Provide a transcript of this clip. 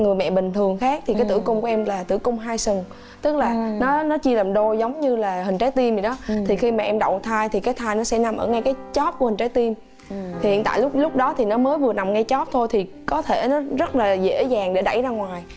người mẹ bình thường khác thì cái tử cung của em là tử cung hai sừng tức là nó chia làm đôi giống như là hình trái tim vậy đó thì khi mà em đậu thai thì cái thai nó sẽ nằm ở ngay cái chóp của trái tim hiện tại lúc lúc đó thì nó mới vừa nằm ngay chóp thôi thì có thể nó rất là dễ dàng để đẩy ra ngoài